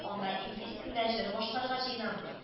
Анда инглиз телендә җыр башкарырга җыенам